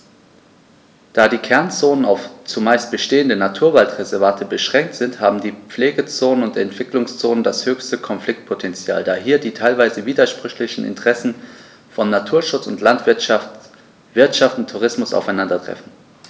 Da die Kernzonen auf – zumeist bestehende – Naturwaldreservate beschränkt sind, haben die Pflegezonen und Entwicklungszonen das höchste Konfliktpotential, da hier die teilweise widersprüchlichen Interessen von Naturschutz und Landwirtschaft, Wirtschaft und Tourismus aufeinandertreffen.